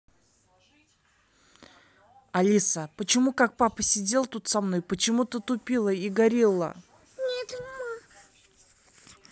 алиса почему как папа сидел тут со мной почему то тупила и gorilla